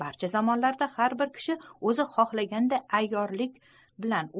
barcha zamonlarda har bir kishi vijdonni ozi xohlaganday ayyorlik bilan